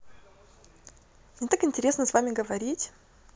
мне так интересно с вами говорить